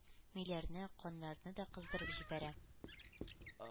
Миләрне, каннарны да кыздырып җибәрә.